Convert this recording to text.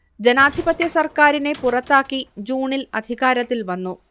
ജനാധിപത്യ സർക്കാരിനെ പുറത്താക്കി ജൂണിൽ അധികാരത്തിൽ വന്നു